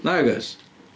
Nag oes.